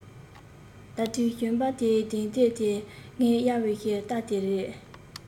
ད ལྟའི གཞོན པ དེའི གདན ལྷེབ དེ ངས གཡར བའི རྟ དེ རེད